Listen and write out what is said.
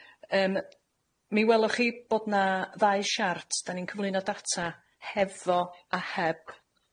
Yym, mi welwch chi bod 'na ddau siart, 'dan ni'n cyflwyno data hefo a heb,